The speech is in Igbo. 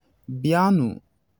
Bịanụ.”